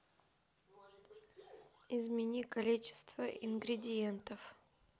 измени количество ингредиентов